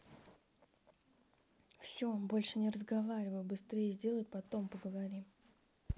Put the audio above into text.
все больше не разговариваю быстрее сделай потом поговорим